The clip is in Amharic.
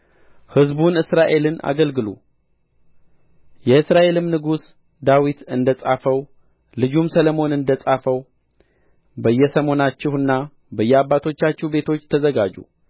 ሕዝቡን እስራኤልን አገልግሉ የእስራኤልም ንጉሥ ዳዊት እንደ ጻፈው ልጁም ሰሎሞን እንደ ጻፈው በየሰሞናችሁና በየአባቶቻችሁ ቤቶች ተዘጋጁ